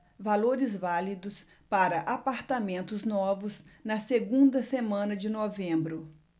valores válidos para apartamentos novos na segunda semana de novembro